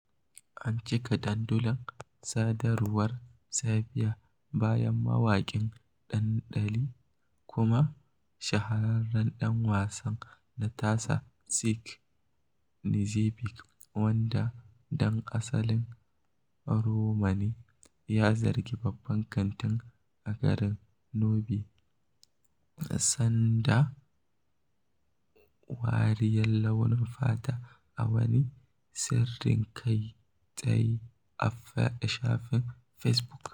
An cika dandulan sadarwar Serbia bayan mawaƙin dandali kuma shahararren ɗan wasa Natasa Tasic Knezeɓic, wanda ɗan asalin Roma ne, ya zargi babban kanti a garin Noɓi Sad da wariyar launiya fata a wani shirin kai tsaye a shafin Fesbuk.